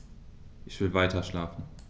Ich will weiterschlafen.